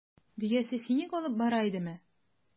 Дөясе финик алып бара идеме?